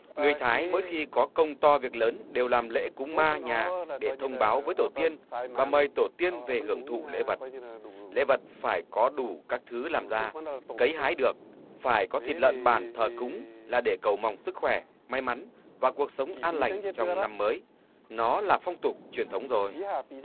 người thái mỗi khi có công to việc lớn đều làm lễ cúng ma nhà để thông báo với tổ tiên và mời tổ tiên về hưởng thụ lễ vật lễ vật phải có đủ các thứ làm ra cấy hái được phải có thịt lợn bản thờ cúng là để cầu mong sức khỏe may mắn và cuộc sống an lành trong năm mới nó là phong tục truyền thống rồi